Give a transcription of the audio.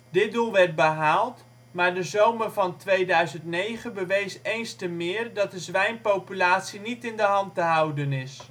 Dit doel werd behaald, maar de zomer van 2009 bewees eens te meer dat de zwijnpopulatie niet in de hand te houden is